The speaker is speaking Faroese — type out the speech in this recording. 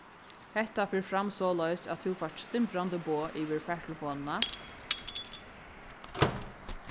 hetta fer fram soleiðis at tú fært stimbrandi boð yvir fartelefonina